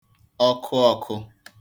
ọkụ ọkụ